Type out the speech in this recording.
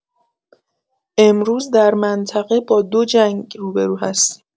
امروز در منطقه با دو جنگ روبه‌رو هستیم.